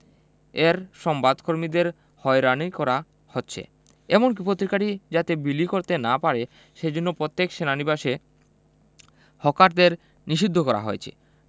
এর সংবাদ কর্মীদের হয়রানি করা হচ্ছে এমনকি পত্রিকাটি যাতে বিলি করতে না পারে সেজন্যে প্রত্যেক সেনানিবাসে হকারদের নিষিদ্ধ করা হয়েছে